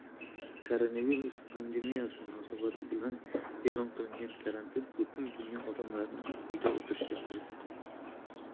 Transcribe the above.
koronavirus pandemiyasi munosabati bilan e'lon qilingan karantin butun dunyo odamlarini uyda o'tirishga majbur qilmoqda